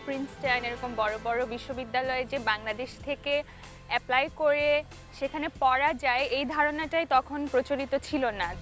Princeton এরকম বড় বড় বিশ্ববিদ্যালয় যে বাংলাদেশ থেকে এপ্লাই করে সেখানে পড়া যায় এ ধারণাটাই তখন প্রচলিত ছিল না